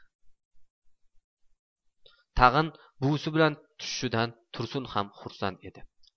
tag'in buvisi bilan tushishidan tursun ham xursand edi